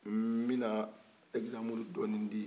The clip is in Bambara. nbɛna exempulu dɔɔni di